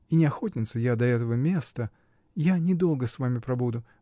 И не охотница я до этого места! Я недолго с вами пробуду!